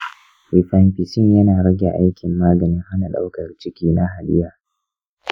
rifampicin yana rage aikin maganin hana ɗaukar ciki na haɗiya.